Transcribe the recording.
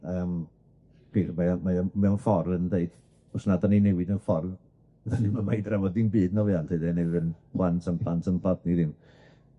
Yym, 'di mae o mae o mewn ffor yn deud, os nad 'dan ni'n newid yn ffordd, fyddan ni'm yma i drafod dim byd na fuan, ne' fydd 'yn plant 'yn plant 'yn plant ni ddim.